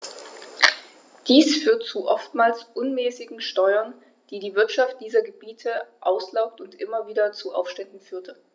Dies führte zu oftmals unmäßigen Steuern, die die Wirtschaft dieser Gebiete auslaugte und immer wieder zu Aufständen führte.